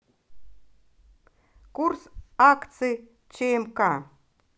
курс акций чмк